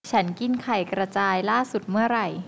ฉันกินไข่กระจายล่าสุดเมื่อไหร่